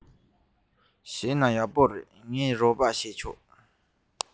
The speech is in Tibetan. བྱས ན ཡག པོ བྱུང ངས རོགས པ ཞུས ཆོག